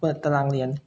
เปิดตารางเรียน